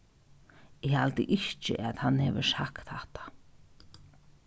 eg haldi ikki at hann hevur sagt hatta